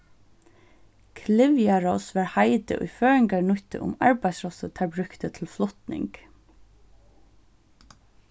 klyvjaross var heitið ið føroyingar nýttu um arbeiðsrossið teir brúktu til flutning